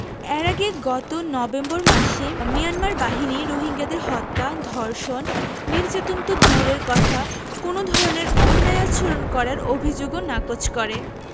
এর আগে গত নবেম্বর মাসে মিয়ানমার বাহিনী রোহিঙ্গাদের হত্যা ধর্ষণ নির্যাতন তো দূরের কথা কোনো ধরনের অন্যায় আচরণ করার অভিযোগও নাকচ করে